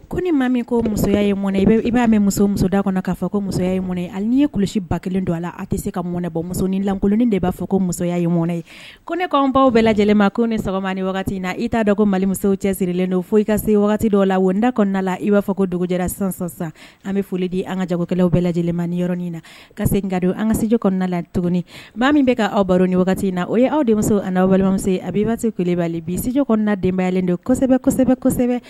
Ko ni maa min ko musoya in mɔn i i b'a muso musoda kɔnɔ k'a fɔ ko musoya in mɔn ani ye kulu ba kelen don la aw tɛ se ka mɔnɛ bɔ musoninlankolonin de b'a fɔ ko musoya in mɔnɛ ye ko ne koanw baw bɛɛ lajɛlenma ko ni sɔgɔma ni wagati in na i t'a dɔn ko mali muso cɛ sirilen don fo i ka se dɔw la wo nda kɔnɔna i b'a fɔ ko dugu jɛra sisansan san an bɛ foli di an ka jakɛlaww bɛɛ lajɛlen ni yɔrɔ in na ka se kadon an katudi kɔnɔna la tuguni maa min bɛ ka aw baro ni wagati in na o ye aw de muso ani aw balima a b'ba se kuleba bitudi kɔnɔnadenbayalen don